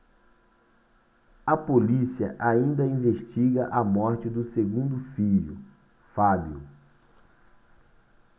a polícia ainda investiga a morte do segundo filho fábio